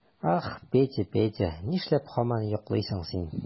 Ах, Петя, Петя, нишләп һаман йоклыйсың син?